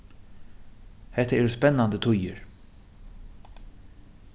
hetta eru spennandi tíðir